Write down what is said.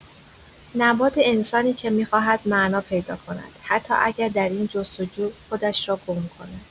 نماد انسانی که می‌خواهد معنا پیدا کند، حتی اگر در این جست‌وجو خودش را گم کند.